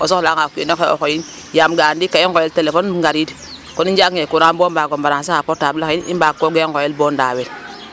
O soxla'anga o kiin oxe o xoyin yaam ga'a ndiiki ga i nqooyel téléphone ngariid kon i njegangee courant bo mbaag o branché xa portable axe in i mbaagkoogee nqooyel bo ndaawel .